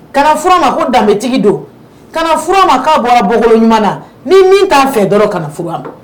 Kanaf fura ma ko danbebetigi do kanaf fura ma k'a bɔra bɔkolo ɲuman na ni min t'a fɛ dɔrɔn kana fura ma